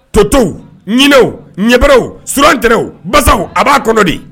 Toto ɲw ɲɛbaaraw stɛw basaw a b'a kɔnɔ di